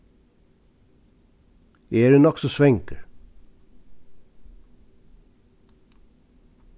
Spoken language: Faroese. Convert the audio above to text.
eg eri nokk so svangur